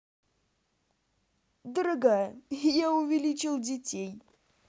дорогая я увеличил детей